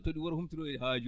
tooɗi woto humtiroye haaju